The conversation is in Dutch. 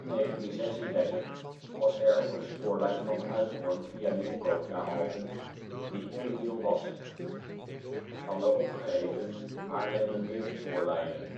1936 was er ook een spoorlijn van Uithoorn via Nieuwkoop naar Alphen, die onderdeel was van de opgeheven Haarlemmermeerspoorlijnen